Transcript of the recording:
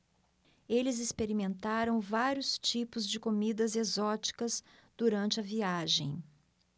eles experimentaram vários tipos de comidas exóticas durante a viagem